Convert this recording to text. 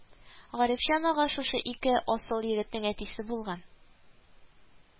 Гарифҗан ага шушы ике асыл егетнең әтисе булган